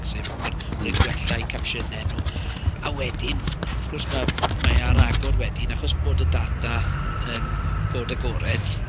Sef bod bod... m-hm. ...e'n gwella eu capsiynau nhw, a wedyn wrth gwrs ma' mae e ar agor wedyn achos bod y data yn god-agored.